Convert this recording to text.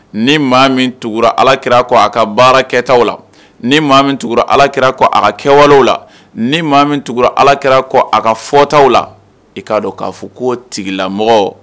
Ni maa min tugu la Ala kira kɔ a ka baara kɛtaw la ni maa min tugu Ala kira kɔ a ka kɛwalew la ni maa min tugu la Ala kira kɔ a ka fɔtaw la i k'a dɔn k'a fɔ k'o tigilamɔgɔ